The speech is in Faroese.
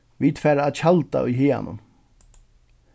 vit fara at tjalda í haganum